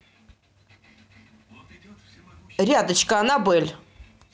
рядочка анабель